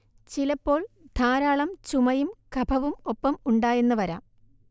ചിലപ്പോൾ ധാരാളം ചുമയും കഫവും ഒപ്പം ഉണ്ടായെന്ന് വരാം